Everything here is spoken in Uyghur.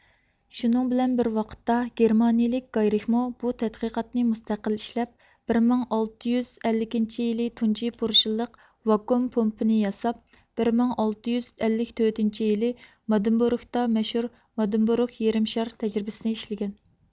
شۇنىڭ بىلەن بىر ۋاقىتتا گېرمانىيىلىك گايرىكمۇ بۇ تەتقىقاتنى مۇستەقىل ئىشلەپ بىر مىڭ ئالتە يۈز ئەللىكىنچى يىلى تۇنجى پۇرشىنلىق ۋاكۇئۇم پومپىنى ياساپ بىر مىڭ ئالتە يۈز ئەللىك تۆتىنچى يىلى مادىنبورۇگتا مەشھۇر مادېنبورۇگ يېرىم شار تەجرىبىسىنى ئىشلىگەن